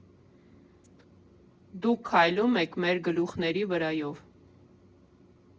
֊ Դուք քայլում եք մեր գլուխների վրայո՜վ։